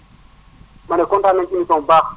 ma ne kontaan nañu si émission bu baax